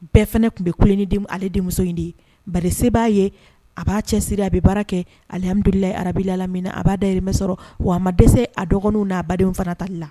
Bɛɛ fɛnɛ kun bɛ kule ni ale denmuso in de ye . Bari se ba ye , a ba cɛsiri a be baara kɛ . Alihamdulilala arabil alamina a ba da hirimɛ sɔrɔ wa a ma dɛsɛse a dɔgɔninw na badenw fana ta li la.